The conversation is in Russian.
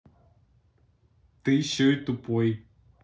ты еще и тупой